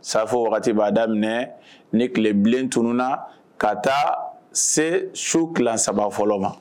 Safo waagati b'a daminɛ ni tilebilen tununa ka taa se su klan saba fɔlɔ ma.